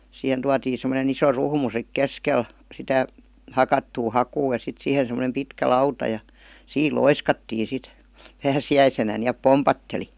siihen tuotiin semmoinen iso ruhmu sitten keskelle sitä hakattua hakua ja sitten siihen semmoinen pitkä lauta ja siinä loiskattiin sitten pääsiäisenä niin että pompahteli